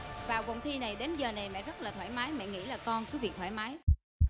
vào vòng thi này đến giờ này mẹ rất là thoải mái mẹ nghĩ là con cứ việc thoải mái